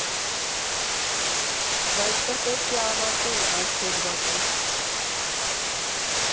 Բայց դե պետք է ավարտել այս հոդվածը։